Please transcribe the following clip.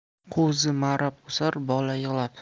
qo'zi ma'rab o'sar bola yig'lab